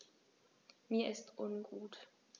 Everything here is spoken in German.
Mir ist ungut.